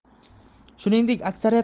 shuningdek aksariyat